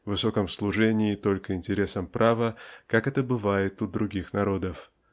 высоком служении только интересам права как это бывает у других народов.